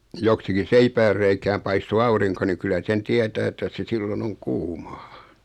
joksikin seipäänreikään paistoi aurinko niin kyllä sen tietää että se silloin on kuuma